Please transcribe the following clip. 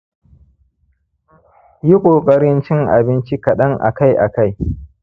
yi kokarin cin abinci kaɗan akai-akai